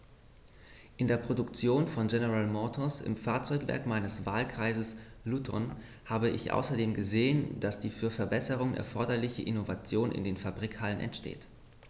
In der Produktion von General Motors, im Fahrzeugwerk meines Wahlkreises Luton, habe ich außerdem gesehen, dass die für Verbesserungen erforderliche Innovation in den Fabrikhallen entsteht.